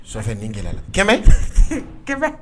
nin gɛlɛ la 500, 500